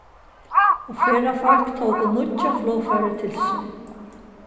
og ferðafólk tóku nýggja flogfarið til sín